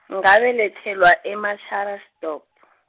ngabelethelwa e- Machadodorp.